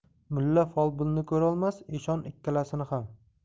mulla folbinni ko'rolmas eshon ikkalasini ham